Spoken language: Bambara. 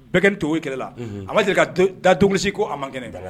Bɛɛ kɛ to kelenla a'a se ka da tugunisi ko a ma kɛnɛ da la